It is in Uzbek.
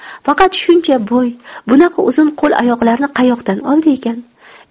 faqat shuncha bo'y bunaqa uzun qo'l oyoqlarni qayoqdan oldi ekan